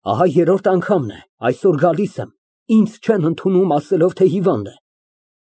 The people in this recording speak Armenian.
Ահա երրորդ անգամն է այսօր գալիս եմ, ինձ չեն ընդունում ասելով, թե հիվանդ է։